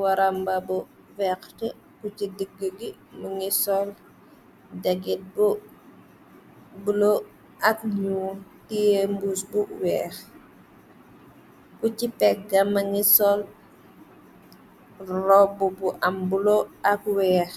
waramba bu weex ,bu ci digg gi ma ngi sol jagit bulu ,ak ñu téembus bu weex bu ci pegga ma ngi sol robb bu am bulu ak weex.